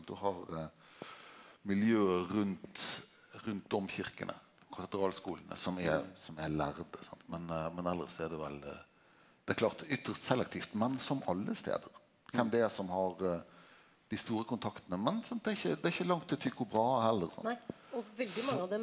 du har miljø rundt rundt domkyrkjene, katedralskolane som er som er lærde sant men men elles så er det vel det er klart ytst selektivt men som alle stadar kven det er som har dei store kontaktane, men sant det er ikkje det er ikkje langt til Tycho Brahe heller.